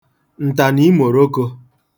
ǹtànìimòrokō